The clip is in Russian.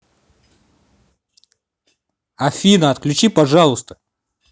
афина отключи пожалуйста